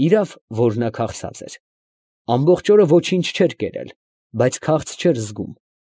Իրավ որ նա քաղցած էր, ամբողջ օրը ոչինչ չէր կերել, բայց քաղց չէր զգում։